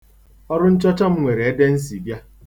Ọrụ nchọcha m nwere edensibịa.